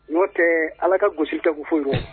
Ni o tɛ Ala ka gosi tɛ ku fosi la.